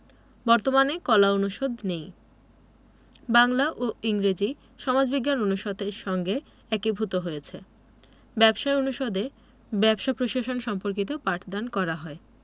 বর্তমানে কলা অনুষদ নেই বাংলা এবং ইংরেজি সমাজবিজ্ঞান অনুষদের সঙ্গে একীভূত হয়েছে ব্যবসায় অনুষদে ব্যবসায় প্রশাসন সম্পর্কিত পাঠদান করা হয়